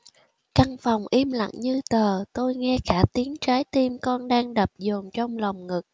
căn phòng im lặng như tờ tôi nghe cả tiếng trái tim con đang đập dồn trong lồng ngực